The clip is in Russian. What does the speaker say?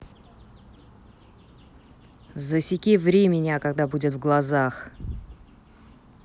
засеки ври меня когда будет в глазах